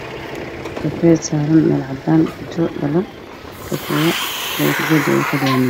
Kafeey saran meel cadan ah kujiro dhalo kalarkodo nah waa qaxwi